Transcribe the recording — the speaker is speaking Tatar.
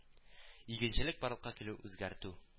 Игенчелек барлыкка килү үзгәртү